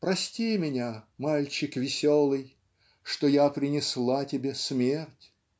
Прости меня, мальчик веселый, Что я принесла тебе смерть! .